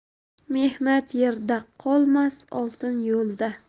mehnat yerda qolmas oltin yo'lda